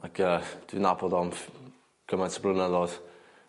Ac y dwi'n nabod o'n ff- cymaint o blynyddod.